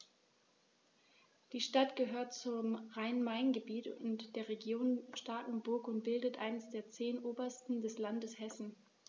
Die Stadt gehört zum Rhein-Main-Gebiet und der Region Starkenburg und bildet eines der zehn Oberzentren des Landes Hessen.